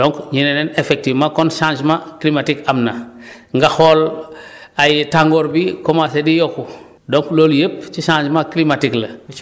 donc ñu ne leen effectivement kon changement climatique am na nga xool ay tàngoor bi commencé di yokku donc loolu yëpp ci changement climlatique la